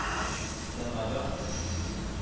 — җанга — җан шул